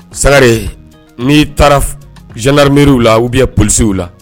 Sagare n'i taara zdaremeriw la u bɛ pw la